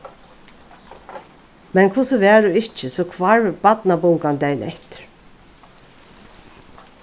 men hvussu var og ikki so hvarv barnabungan dagin eftir